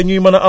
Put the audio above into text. waaw